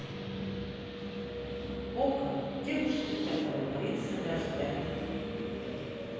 okko девушка которая боится дождя